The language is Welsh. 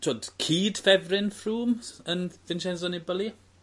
t'wod cyd ffefryn Froome yn Vincenzo Nibali?